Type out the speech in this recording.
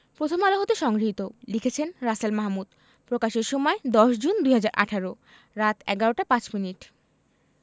প্রথমআলো হতে সংগৃহীত লিখেছেন রাসেল মাহ্ মুদ প্রকাশের সময় ১০ জুন ২০১৮ রাত ১১টা ৫ মিনিট